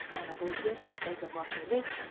mana bu yer yuzidagi voqelik